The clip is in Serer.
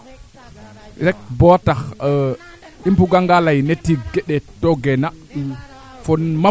ndax ngoorke na njila xa ax wala boogen kaa coxelo yo axna jila saax dabord no maak we neede njiltoogina xa ax